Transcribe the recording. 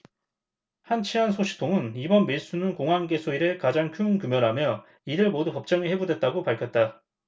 한 치안 소식통은 이번 밀수는 공항 개소 이래 가장 큰 규모라며 이들 모두 법정에 회부됐다고 밝혔다